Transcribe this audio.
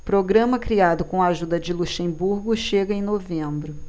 programa criado com a ajuda de luxemburgo chega em novembro